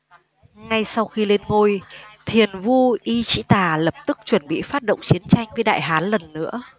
ngay sau khi lên ngôi thiền vu y trĩ tà lập tức chuẩn bị phát động chiến tranh với đại hán lần nữa